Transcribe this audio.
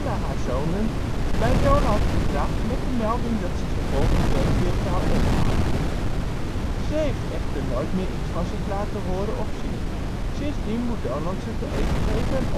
haar zonen bij Donald gebracht met de melding dat ze ze volgende week weer zou ophalen, ze heeft echter nooit meer iets van zich laten horen of zien. Sindsdien moet Donald ze te eten geven